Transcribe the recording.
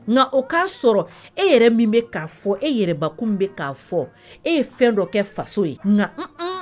Nka o k'a sɔrɔ e yɛrɛ min k'a fɔ e yɛrɛbakun bɛ k'a fɔ e ye fɛn dɔ kɛ faso ye nka